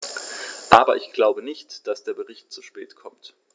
Aber ich glaube nicht, dass der Bericht zu spät kommt.